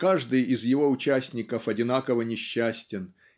каждый из его участников одинаково несчастен